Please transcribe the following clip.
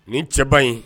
Nin cɛba ɲi